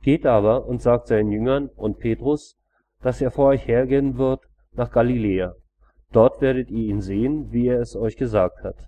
Geht aber und sagt seinen Jüngern und Petrus, dass er vor euch hergehen wird nach Galiläa: Dort werdet ihr ihn sehen, wie er es euch gesagt hat